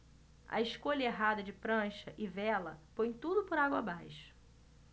a escolha errada de prancha e vela põe tudo por água abaixo